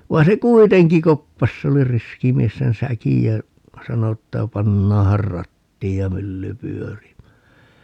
vaan se kuitenkin koppasi se oli riski mies sen säkin ja sanoi että pannaanhan rattiin ja mylly pyörimään